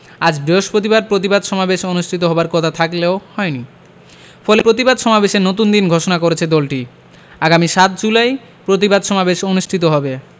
আজ বৃহস্পতিবার প্রতিবাদ সমাবেশ অনুষ্ঠিত হবার কথা থাকলেও হয়নি ফলে প্রতিবাদ সমাবেশের নতুন দিন ঘোষণা করেছে দলটি আগামী ৭ জুলাই প্রতিবাদ সমাবেশ অনুষ্ঠিত হবে